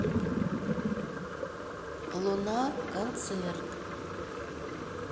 луна концерт